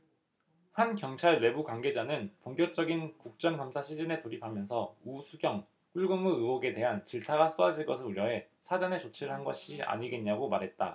한 경찰 내부관계자는 본격적인 국정감사 시즌에 돌입하면서 우수경 꿀근무 의혹에 대한 질타가 쏟아질 것을 우려해 사전에 조치를 한 것이 아니겠냐고 말했다